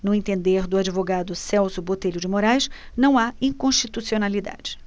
no entender do advogado celso botelho de moraes não há inconstitucionalidade